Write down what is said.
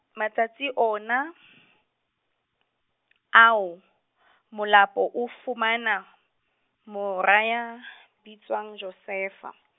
matsatsi ona , ao , Molapo o fumana, mora ya bitswang Josefa.